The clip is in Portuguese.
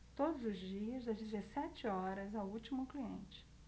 todos os dias das dezessete horas ao último cliente